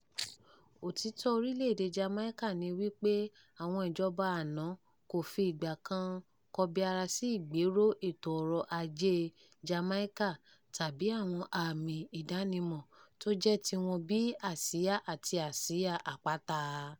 Òtítọ́ orílẹ̀ èdèe Jamaica ni wípé àwọn ìjọba àná kò fi ìgbàkan kọbiara sí ìgbéró èto ọrọ̀ Ajée Jamaica' tàbí àwọn ààmi ìdánimọ̀ tó jẹ́ ti wọn bíi àsíá àti àsíá apata.